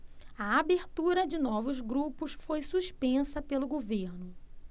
a abertura de novos grupos foi suspensa pelo governo